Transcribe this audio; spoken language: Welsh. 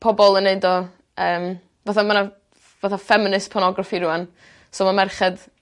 pobol yn neud o yym fatha ma' 'na fatha feminist pornoography rŵan so ma' merched